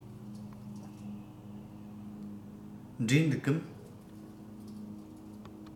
འབྲས འདུག གམ